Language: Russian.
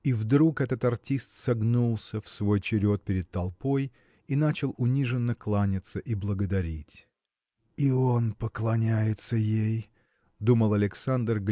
И вдруг этот артист согнулся в свой черед перед толпой и начал униженно кланяться и благодарить. И он поклоняется ей – думал Александр